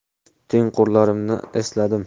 o'z tengqurlarimni esladim